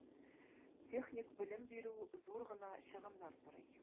Техник белем бирү зур гына чыгымнар сорый.